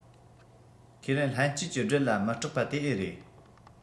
ཁས ལེན ལྷན སྐྱེས ཀྱི སྦྲུལ ལ མི སྐྲག པ དེ ཨེ རེད